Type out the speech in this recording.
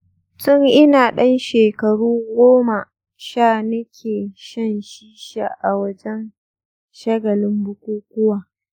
tun ina ɗan shekaru goma sha nike shan shisha a wajen shagalin bukukuwa